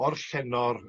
o'r llenor